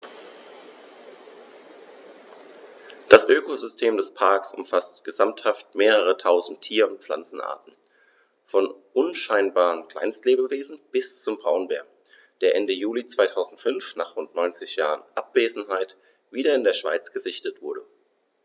Das Ökosystem des Parks umfasst gesamthaft mehrere tausend Tier- und Pflanzenarten, von unscheinbaren Kleinstlebewesen bis zum Braunbär, der Ende Juli 2005, nach rund 90 Jahren Abwesenheit, wieder in der Schweiz gesichtet wurde.